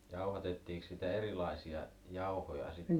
jauhatettiinkos sitä erilaisia jauhoja sitten